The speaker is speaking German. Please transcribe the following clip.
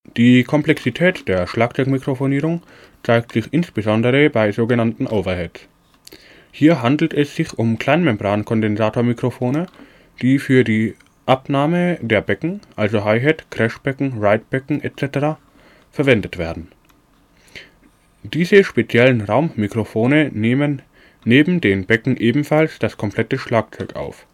Die Komplexität der Schlagzeugmikrofonierung zeigt sich insbesondere bei sogenannten Overheads. Hierbei handelt es sich um Kleinmembrankondensatormikrofone, die für die Abnahme der Becken (also Hi-Hat, Crashbecken, Ridebecken, etc.) verwendet werden. Diese speziellen Raummikrofone nehmen neben den Becken ebenfalls das komplette Schlagzeug auf